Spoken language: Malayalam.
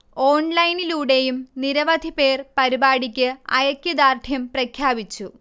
ഓൺലൈനിലൂടെയും നിരവധി പേർ പരിപാടിക്ക് ഐക്യദാർഢ്യം പ്രഖ്യാപിച്ചു